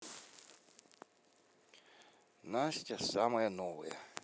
настя самые новые